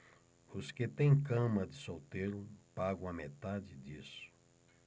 os que têm cama de solteiro pagam a metade disso